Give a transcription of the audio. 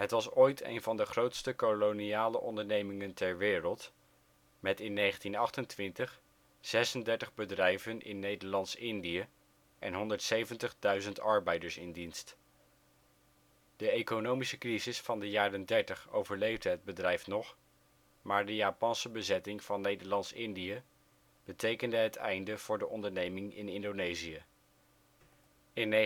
was ooit een van de grootste koloniale ondernemingen ter wereld met in 1928 36 bedrijven in Nederlands-Indië en 170.000 arbeiders in dienst. De economische crisis van de jaren dertig overleefde het bedrijf nog, maar de Japanse bezetting van Nederlands-Indië betekende het einde voor de onderneming in Indonesië. In 1951